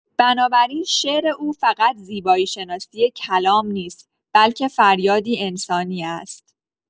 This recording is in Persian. بنابراین شعر او فقط زیبایی‌شناسی کلام نیست، بلکه فریادی انسانی است.